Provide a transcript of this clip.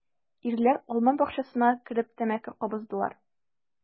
Ирләр алма бакчасына кереп тәмәке кабыздылар.